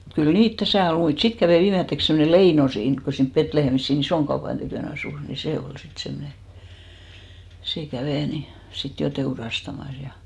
mutta kyllä niitä tässä oli muita sitten kävi viimeiseksi semmoinen Leino siinä kun kun siinä Betlehemissä siinä ison tykönä asui niin se oli sitten semmoinen se kävi niin sitten jo teurastamassa ja